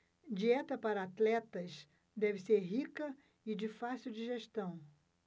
dieta para atletas deve ser rica e de fácil digestão